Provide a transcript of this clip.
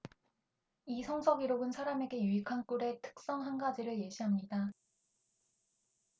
이 성서 기록은 사람에게 유익한 꿀의 특성 한 가지를 예시합니다